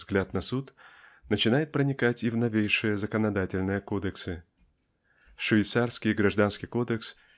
взгляд на суд начинает проникать и в новейшие законодательные кодексы. Швейцарский гражданский кодекс